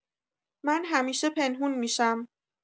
من همیشه پنهون می‌شم.